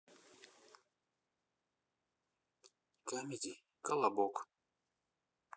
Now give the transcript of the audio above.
камеди колобок